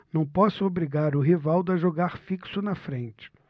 não posso obrigar o rivaldo a jogar fixo na frente